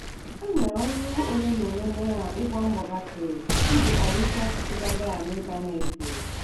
E nwere ọrụ olenaole na ịgba mbọ gasị iji kwalite asụsụ Bambara n'Ịntanetị.